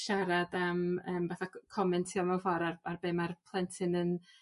siarad am yym fatha c- comentio mewn ffor ar ar be' ma'r plentyn yn